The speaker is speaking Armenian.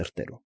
Սրտերում։